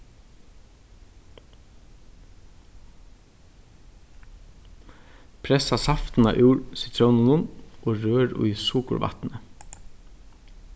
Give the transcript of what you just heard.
pressa saftina úr sitrónunum og rør í sukurvatnið